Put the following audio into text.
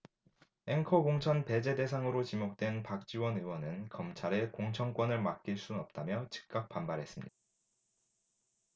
앵커 공천 배제 대상으로 지목된 박지원 의원은 검찰에 공천권을 맡길 순 없다며 즉각 반발했습니다